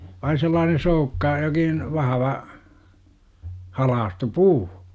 vain sellainen soukka jokin vahva halkaistu puu